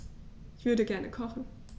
Ich würde gerne kochen.